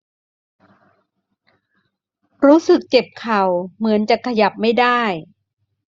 รู้สึกเจ็บเข่าเหมือนจะขยับไม่ได้